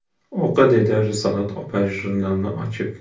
o'qi dedi risolat opa jurnalni ochib